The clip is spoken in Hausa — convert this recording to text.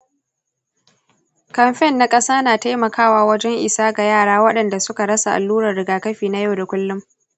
kamfen na ƙasa na taimakawa wajen isa ga yara waɗanda suka rasa alluran rigakafi na yau da kullum.